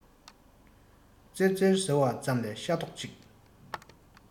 ཙེར ཙེར ཟེར བ ཙམ ལས ཤ རྡོག གཅིག